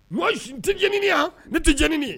Mɔ tɛ jeni yan ne tɛɲɛnani ye